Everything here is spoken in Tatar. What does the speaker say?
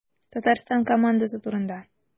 Татарстан командасы турында.